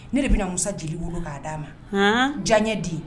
Ne de bɛna mu jeli wolo k'a d dia ma diya di